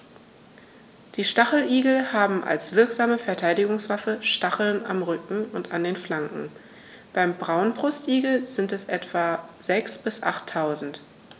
Die Stacheligel haben als wirksame Verteidigungswaffe Stacheln am Rücken und an den Flanken (beim Braunbrustigel sind es etwa sechs- bis achttausend).